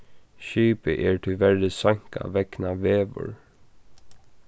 skipið er tíverri seinkað vegna veður